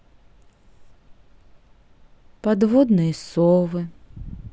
подводные совы